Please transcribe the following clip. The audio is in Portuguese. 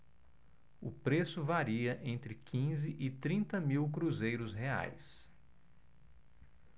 o preço varia entre quinze e trinta mil cruzeiros reais